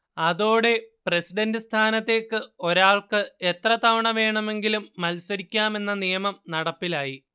അതോടെ പ്രസിഡന്റ് സ്ഥാനത്തേക്ക് ഒരാൾക്ക് എത്രതവണ വേണമെങ്കിലും മത്സരിക്കാം എന്ന നിയമം നടപ്പിലായി